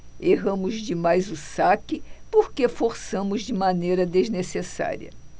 erramos demais o saque porque forçamos de maneira desnecessária